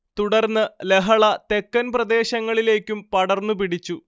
തുടർന്ന് ലഹള തെക്കൻ പ്രദേശങ്ങളിലേക്കും പടർന്നു പിടിച്ചു